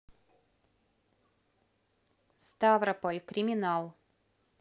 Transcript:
ставрополь криминал